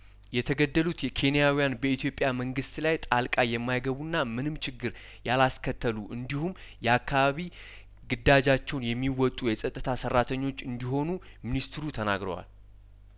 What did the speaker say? የተገደሉት ኬንያውያን በኢትዮጵያ መንግስት ላይ ጣልቃ የማይገቡና ምንም ችግር ያላስከተሉ እንዲሁም የአካባቢ ግዳጃቸውን የሚወጡ የጸጥታ ሰራተኞች እንዲሆኑ ሚኒስትሩ ተናግረዋል